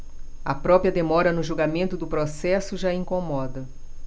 a própria demora no julgamento do processo já incomoda